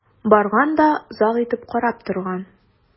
Барган да озак итеп карап торган.